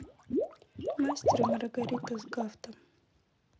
мастер и маргарита с гафтом